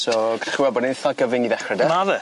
So g'ch chi weld bod e'n eitha gyfyng i ddechre 'dy? Ma' fe.